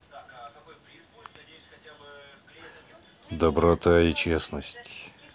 доброта и честность